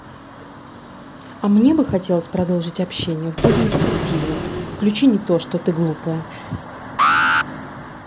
а мне бы хотелось продолжить общение в более инструктивном включи не то что ты глупая